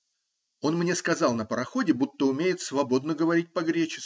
Он мне сказал на пароходе, будто умеет свободно говорить по-гречески.